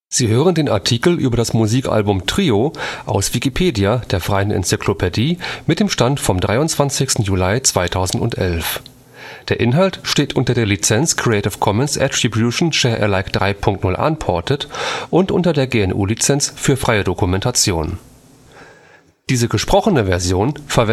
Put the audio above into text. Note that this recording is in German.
Sie hören den Artikel Trio (Album), aus Wikipedia, der freien Enzyklopädie. Mit dem Stand vom Der Inhalt steht unter der Lizenz Creative Commons Attribution Share Alike 3 Punkt 0 Unported und unter der GNU